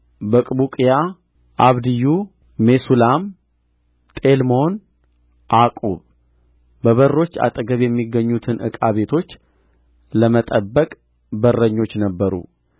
በቅቡቅያ አብድዮ ሜሱላም ጤልሞን ዓቁብ በበሮች አጠገብ የሚገኙትን ዕቃ ቤቶች ለመጠበቅ በረኞች ነበሩ